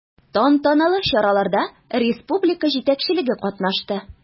Тантаналы чараларда республика җитәкчелеге катнашты.